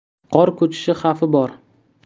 qor ko'chishi xavfi bor